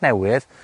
newydd,